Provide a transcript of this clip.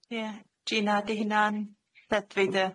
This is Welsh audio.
Ie Gina ydi hynna'n ddedfu dy